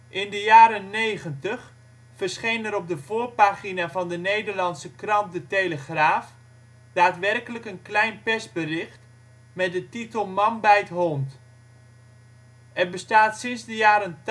In de jaren 90 verscheen er op de voorpagina van de Nederlandse krant De Telegraaf daadwerkelijk een klein persbericht met de titel " Man bijt hond ". Er bestaat sinds de jaren